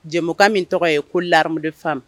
Jɛ min tɔgɔ ye ko lahamudefa